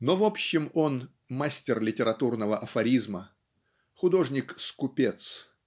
Но в общем он - мастер литературного афоризма, художник-скупец.